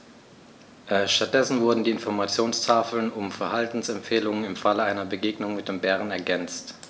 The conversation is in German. Stattdessen wurden die Informationstafeln um Verhaltensempfehlungen im Falle einer Begegnung mit dem Bären ergänzt.